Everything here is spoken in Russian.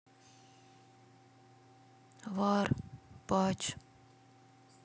вар пач